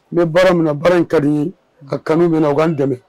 N bɛ baara minɛ baara in ka di ye ka kanu minɛ u'an dɛmɛ